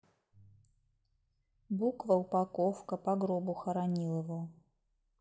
буква упаковка по гробу хоронил его